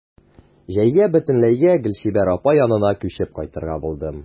Җәйгә бөтенләйгә Гөлчибәр апа янына күчеп кайтырга булдым.